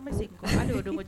Parce